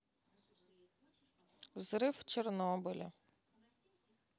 взрыв в чернобыле